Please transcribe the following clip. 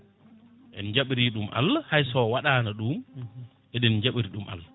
en jabri ɗum Allah hay so waɗano ɗum eɗen jaɓori ɗum Allah